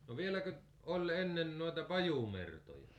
no vieläkö oli ennen noita pajumertoja